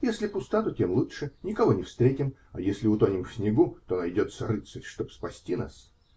-- Если пуста, то тем лучше, никого не встретим, а если утонем в снегу, то найдется рыцарь, чтобы спасти нас.